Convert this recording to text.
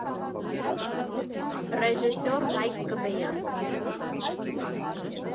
Ռեժիսոր՝ Հայկ Կբեյան։